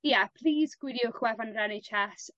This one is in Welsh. ia plîs gwyliwch wefan yr En Haitch Es